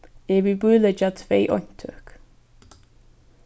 eg vil bíleggja tvey eintøk